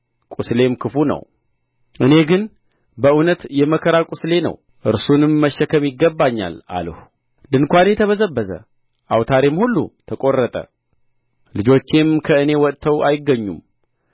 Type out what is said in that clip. ቍስሌም ክፉ ነው እኔ ግን በእውነት የመከራ ቍስሌ ነው እርሱንም መሸከም ይገባኛል አልሁ ድንኳኔ ተበዘበዘ አውታሬም ሁሉ ተቈረጠ ልጆቼም ከእኔ ወጥተው አይገኙም